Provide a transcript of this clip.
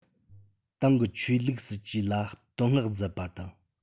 ཏང གི ཆོས ལུགས སྲིད ཇུས ལ བསྟོད བསྔགས མཛད པ དང